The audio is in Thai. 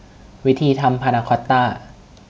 วิธีทำพานาคอตต้า